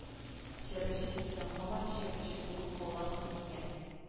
Чәберчек идең һаман чәберчек булып калгансың икән